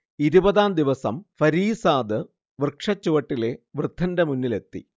ഇരുപതാം ദിവസം ഫരീസാദ്, വൃക്ഷച്ചുവട്ടിലെ വൃദ്ധന്റെ മുന്നിലെത്തി